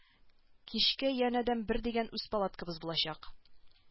Кичкә янәдән бер дигән үз палаткабыз булачак